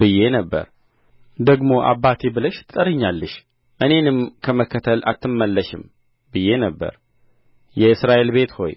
ብዬ ነበር ደግሞ አባቴ ብለሽ ትጠሪኛለሽ እኔንም ከመከተል አትመለሽም ብዬ ነበር የእስራኤል ቤት ሆይ